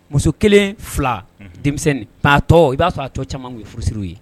Muso kelen, fila, unhun, denmisɛnnin mais a tɔ i b'a sɔrɔ a tɔ caman ye furusiriw ye.